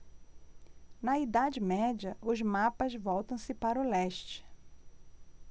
na idade média os mapas voltam-se para o leste